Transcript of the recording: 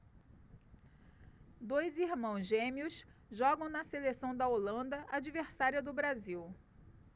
dois irmãos gêmeos jogam na seleção da holanda adversária do brasil